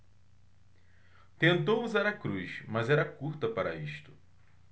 tentou usar a cruz mas era curta para isto